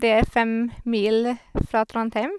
Det er fem mil fra Trondheim.